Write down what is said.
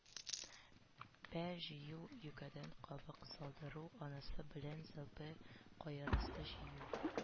Бә җыю; юкәдән кабык салдыру, анасы белән зелпе каерысы җыю,